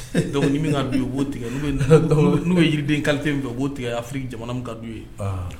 Dɔnkuc ni min ka u b'o tigɛ ye n'u ye yiriden kalote min fɛ u'o tigɛ'firi jamana kadi ye